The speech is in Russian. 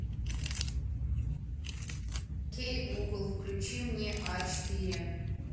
кей гугл включи мне а четыре